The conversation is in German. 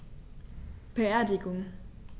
Beerdigung